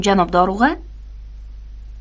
janob dorug'a